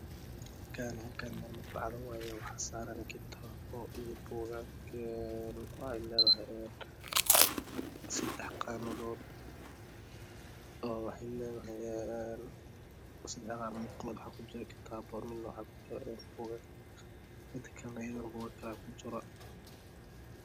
Halkaan meel madbacad waaye waxaa saaran kitaab iyo buugaag waxay leedahay sadex qaanadood oo waxee leedahay sagel mid waxaa ku jira kitaab midna waxaa ku jira buugaag mida kale ayadana buugag kale ayaa ku jiro